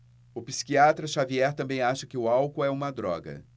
o psiquiatra dartiu xavier também acha que o álcool é uma droga